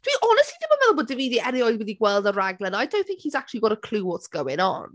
Dwi honestly ddim yn meddwl bod Davide erioed wedi gweld y rhaglen, I don't think he's actually got a clue what's going on.